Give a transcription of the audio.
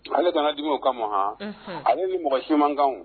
Ale kana diw ka munha ani ni mɔgɔ semakan